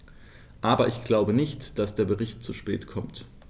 Aber ich glaube nicht, dass der Bericht zu spät kommt.